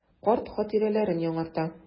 Карт хатирәләрен яңарта.